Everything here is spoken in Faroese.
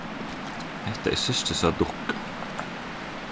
hetta er systursa dukka